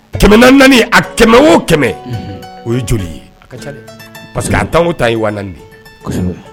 Kɛmɛ naani a kɛmɛ o kɛmɛ o ye joli ye ? A ka ca dɛ parce que a tan o tan ye wa nanni ye